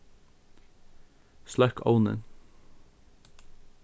sløkk ovnin